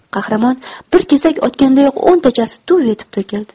qahramon bir kesak otgandayoq o'ntachasi duv etib to'kildi